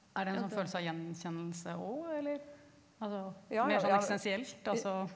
er den som føles av gjenkjennelse òg eller altså mer sånn eksistensielt altså?